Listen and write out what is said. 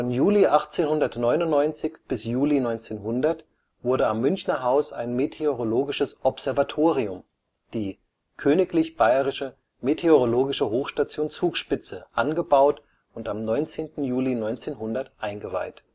Juli 1899 bis Juli 1900 wurde am Münchner Haus ein meteorologisches Observatorium, die Königlich Bayerische Meteorologische Hochstation Zugspitze, angebaut und am 19. Juli 1900 eingeweiht